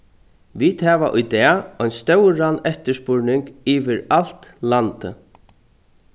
vit hava í dag ein stóran eftirspurning yvir alt landið